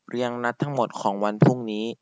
เรียงนัดทั้งหมดของวันพรุ่งนี้